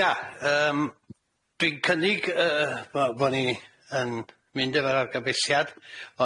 Ia yym dwi'n cynnig yy bo bo ni yn mynd efo'r argymhelliad